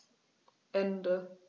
Ende.